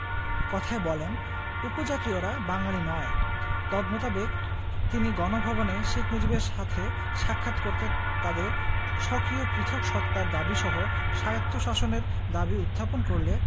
কথায় বলেন উপজাতীয়রা বাঙালি নয় তদমোতাবেক তিনি গণভবনে শেখ মুজিবের সাথে সাক্ষাৎ করত তাদের স্বকীয় পৃথক সত্তার দাবীসহ স্বায়ত্বশাসনের দাবী উত্থাপন করলে